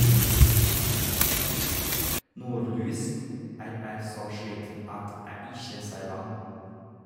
Nordlys, æ e så sliten at æ ikkje ser land.